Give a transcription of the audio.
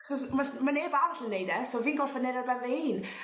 so s- ma' s- ma' 'neb arall yn neud e so fi'n gorffo neud e ar ben fy hun.